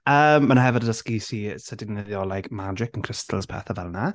Yym mae 'na hefyd yn dysgu ti sut i ddefnyddio like magic and crystals, pethau fel 'na.